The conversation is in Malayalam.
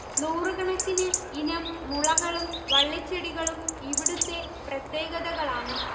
നൂറുകണക്കിന് ഇനം മുളകളും വളളിച്ചെടികളും ഇവിടുത്തെ പ്രത്യേകതകളാണ്